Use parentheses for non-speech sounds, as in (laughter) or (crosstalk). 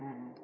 (hesitation) (hesitation)